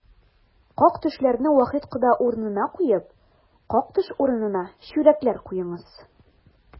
Как-төшләрне Вахит кода урынына куеп, как-төш урынына чүрәкләр куеңыз!